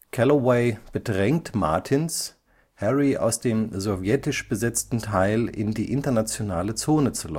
Calloway bedrängt Martins, Harry aus dem sowjetisch besetzten Teil in die internationale Zone zu